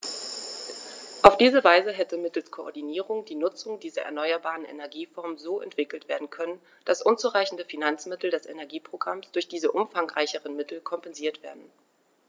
Auf diese Weise hätte mittels Koordinierung die Nutzung dieser erneuerbaren Energieformen so entwickelt werden können, dass unzureichende Finanzmittel des Energieprogramms durch diese umfangreicheren Mittel kompensiert werden.